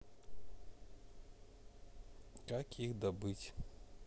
как их добыть